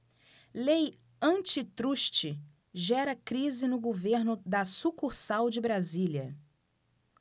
lei antitruste gera crise no governo da sucursal de brasília